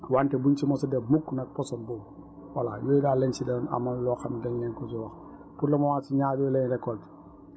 wante buñ si mos a def mukk nag poson boobu voilà yooyu daal lañ si doon amal loo xam dañ leen ko di wax pour le moment si ñaar yooyu lañ récolté